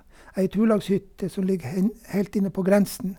Ei turlagshytte som ligger hen helt inne på grensen.